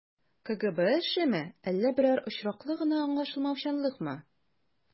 КГБ эшеме, әллә берәр очраклы гына аңлашылмаучанлыкмы?